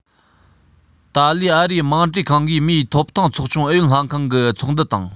ཏཱ ལའི ཨ རིའི དམངས གྲོས ཁང གིས མིའི ཐོབ ཐང ཚོགས ཆུང ཨུ ཡོན ལྷན ཁང གི ཚོགས འདུ དང